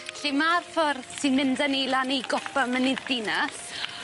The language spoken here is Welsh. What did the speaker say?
'Lly 'ma'r ffordd sy'n mynd â ni lan i gopa mynydd Dinas.